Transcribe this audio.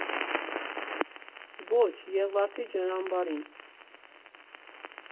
Ո՛չ Եղվարդի ջրամբարին։